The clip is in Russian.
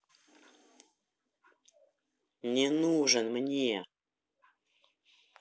не нужен мне